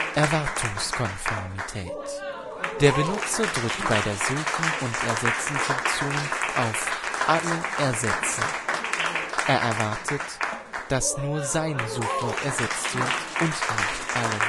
Erwartungskonformität Der Benutzer drückt bei der „ Suchen und Ersetzen “- Funktion auf „ Alle ersetzen “. Er erwartet, dass nur sein Suchwort ersetzt wird und nicht alle